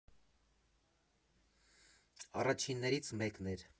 Առաջիններից մեկն էր։